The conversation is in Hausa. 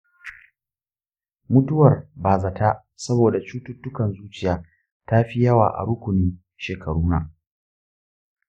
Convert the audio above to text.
mutuwar bazata saboda cututtukan zuciya ta fi yawa a rukunin shekaruna?